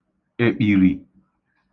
èkpìrì